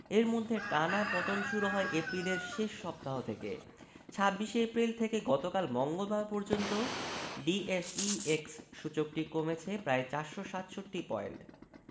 এর মধ্যে টানা পতন শুরু হয় এপ্রিলের শেষ সপ্তাহ থেকে ২৬ এপ্রিল থেকে গতকাল মঙ্গলবার পর্যন্ত ডিএসইএক্স সূচকটি কমেছে প্রায় ৪৬৭ পয়েন্ট